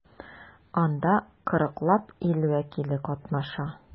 Анда 40 лап ил вәкиле катнаша.